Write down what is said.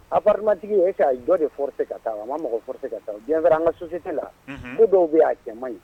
A bamatigi ye k'a jɔ deorose ka taa a ma mɔgɔforose se ka taa diɲɛfa an ka sosise la ko dɔw bɛ aa cɛman ɲi